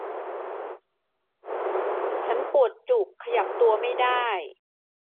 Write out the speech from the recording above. ฉันปวดจุกขยับตัวไม่ได้